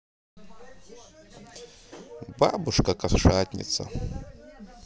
бабушка кошатница